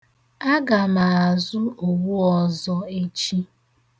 Aga m azụ owu ọzọ echi.